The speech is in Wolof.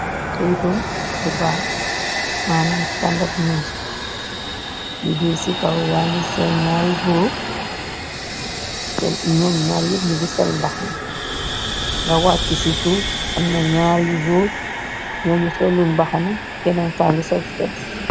Kayetu heebar, manam standard news. Bi dè ci kaw yangi senn ñaari gòor tè num naar yëp nungi sol mbahana. La waji ci suuf amna naar yu gòor noom solut mbahana, kenen ka ngi sol supès.